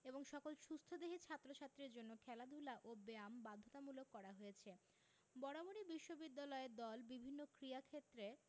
এবং সকল সুস্থদেহী ছাত্র ছাত্রীর জন্য খেলাধুলা ও ব্যায়াম বাধ্যতামূলক করা হয়েছে বরাবরই বিশ্ববিদ্যালয় দল বিভিন্ন ক্রীড়াক্ষেত্রে